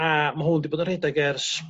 a ma' hwn 'di bod yn rhedeg ers